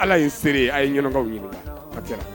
ala ye seere a ye ɲkaw ɲini ka